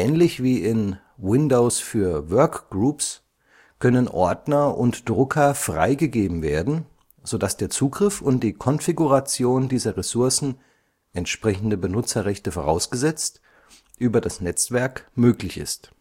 Ähnlich wie in Windows für Workgroups können Ordner und Drucker freigegeben werden, sodass der Zugriff und die Konfiguration dieser Ressourcen, entsprechende Benutzerrechte vorausgesetzt, über das Netzwerk möglich ist